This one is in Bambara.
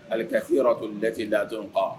Ale kaki yɔrɔ tun da da dɔrɔn pan